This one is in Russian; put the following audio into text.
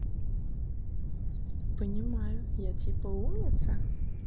понимаю я типа умница